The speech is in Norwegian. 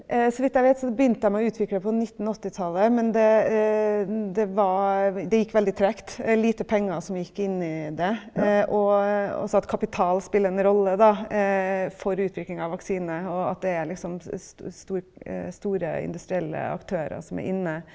så vidt jeg vet så begynte dem å utvikle på nittenåttitallet, men det det var det gikk veldig tregt, lite penger som gikk inni det og også at kapital spiller en rolle da for utvikling av vaksine, og at det er liksom store industrielle aktører som er inne.